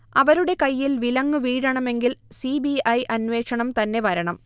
അവരുടെ കയ്യിൽ വിലങ്ങ് വീഴണമെങ്കിൽ സി. ബി. ഐ അന്വേഷണം തന്നെ വരണം